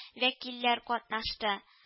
Вәкилләр катнашты